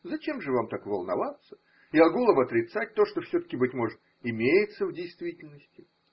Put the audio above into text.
Зачем же вам так волноваться и огулом отрицать то, что все-таки, быть может, имеется в действительности?